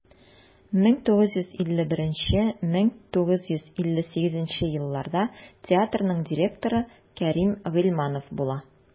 1951-1958 елларда театрның директоры кәрим гыйльманов була.